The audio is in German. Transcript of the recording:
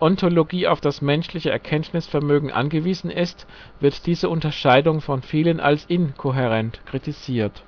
Ontologie auf das menschliche Erkenntnisvermögen angewiesen ist, wird diese Unterscheidung von vielen als inkohärent kritisiert.